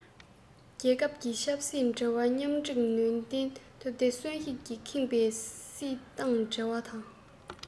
རྒྱལ ཁབ ཀྱི ཆབ སྲིད འབྲེལ བ སྙོམས སྒྲིག ནུས ལྡན ཐུབ སྟེ གསོན ཤུགས ཀྱིས ཁེངས པའི སྲིད ཏང འབྲེལ བ དང